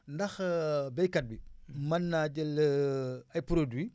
ndax béykat bi mën naa jël ay produits